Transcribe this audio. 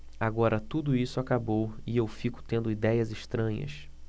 agora tudo isso acabou e eu fico tendo idéias estranhas